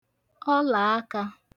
ọlāakā